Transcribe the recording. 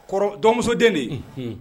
Kɔrɔ dɔnmuso den de